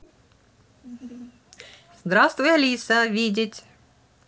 здравствуй алиса видеть